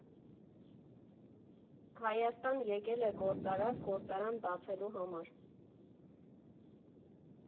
Հայաստան եկել է գործարար գործարան բացելու համար։